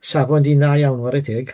Sa fo'n di'n dda iawn ware teg?